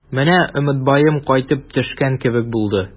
Менә Өметбаем кайтып төшкән кебек булды.